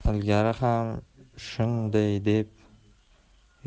ilgari ham shunday deb